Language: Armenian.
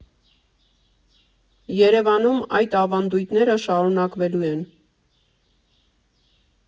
Երևանում այդ ավանդույթները շարունակվելու են։